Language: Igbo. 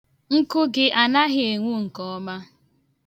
Nkụ gị anaghị enwu ọkụ nke ọma.